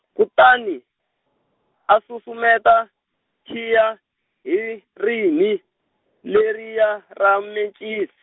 kutani, a susumeta, khiya, hi rinhi, leriya ra mencis-.